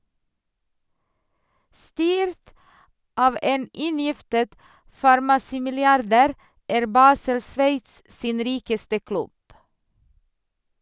Styrt av en inngiftet farmasimilliardær er Basel Sveits sin rikeste klubb.